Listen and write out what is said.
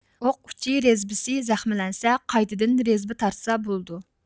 ئوق ئۇچى رېزبسى زەخىملەنسە قايتىدىن رېزبا تارتسا بولىدۇ